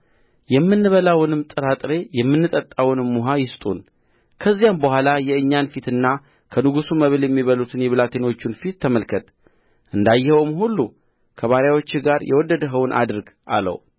የምንበላውንም ጥራጥሬ የምንጠጣውንም ውኃ ይስጡን ከዚያም በኋላ የእኛን ፊትና ከንጉሡ መብል የሚበሉትን የብላቴኖችን ፊት ተመልከት እንዳየኸውም ሁሉ ከባሪያዎችህ ጋር የወደድኸውን አድርግ አለው